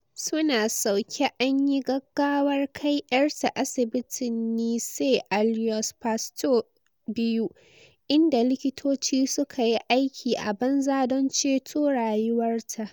Su na sauke an yi gaggawar kai 'yarta asibitin Nice a Louis Pasteur 2, inda likitoci suka yi aiki a banza don ceto rayuwarta.